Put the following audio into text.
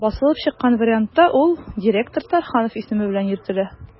Басылып чыккан вариантта ул «директор Тарханов» исеме белән йөртелә.